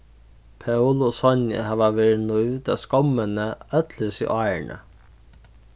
pól og sonja hava verið nívd av skommini øll hesi árini